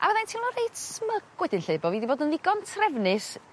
a fyddai'n teimlo reit smug wedyn 'lly bo' fi 'di bod yn ddigon trefnus